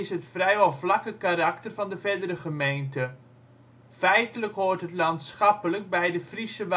het vrijwel vlakke karakter van de verdere gemeente. Feitelijk hoort het landschappelijk bij de Friese